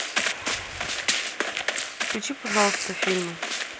включи пожалуйста фильмы